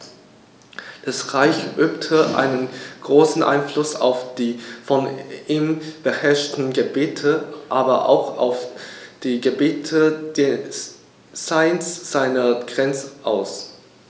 Das Reich übte einen großen Einfluss auf die von ihm beherrschten Gebiete, aber auch auf die Gebiete jenseits seiner Grenzen aus.